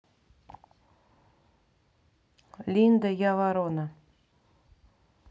линда я ворона